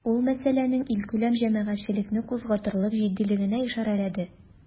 Ул мәсьәләнең илкүләм җәмәгатьчелекне кузгатырлык җитдилегенә ишарәләде.